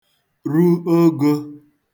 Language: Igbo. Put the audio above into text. ru ogō